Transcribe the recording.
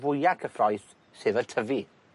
fwya cyffrous, sef y tyfu.